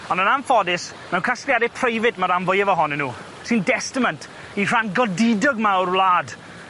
On' yn anffodus, mewn casgliade preifat ma'r rhan fwyaf ohonyn nw, sy'n destament i rhan godidog 'ma o'r wlad